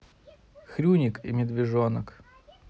хрюник и медвежонок